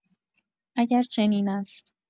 اگر چنین است